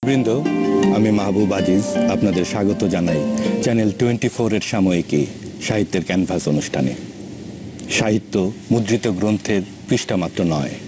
সুধিবৃন্দ আমি মাহমুদ আজিজ আপনাদের স্বাগত জানাই চ্যানেল টোয়েন্টি ফোরের সাময়িকী সাহিত্যের ক্যানভাস অনুষ্ঠানে সাহিত্য মুদ্রিত গ্রন্থের পৃষ্ঠা মাত্র নয়